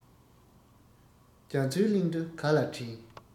རྒྱ མཚོའི གླིང དུ ག ལ བྲིན